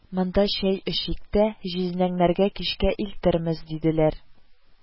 "монда чәй эчик тә, җизнәңнәргә кичкә илтермез", – диделәр